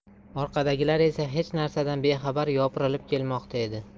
orqadagilar esa hech narsadan bexabar yopirilib kelmoqda edi